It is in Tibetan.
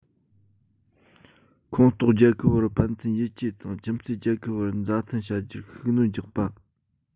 ཁོངས གཏོགས རྒྱལ ཁབ བར ཕན ཚུན ཡིད ཆེས དང ཁྱིམ མཚེས རྒྱལ ཁབ བར མཛའ མཐུན བྱ རྒྱུར ཤུགས སྣོན རྒྱག པ